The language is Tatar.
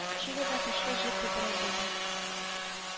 Чили да көчле җир тетрәү булды